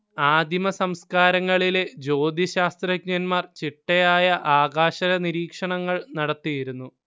ആദിമസംസ്കാരങ്ങളിലെ ജ്യോതിശാസ്ത്രജ്ഞന്മാർ ചിട്ടയായ ആകാശനിരീക്ഷണങ്ങൾ നടത്തിയിരുന്നു